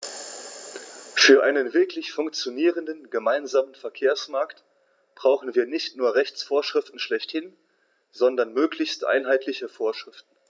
Für einen wirklich funktionierenden gemeinsamen Verkehrsmarkt brauchen wir nicht nur Rechtsvorschriften schlechthin, sondern möglichst einheitliche Vorschriften.